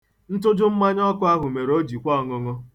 Ntụju mmanya ọkụ ahụ mere o ji kwe ọṅụṅụ.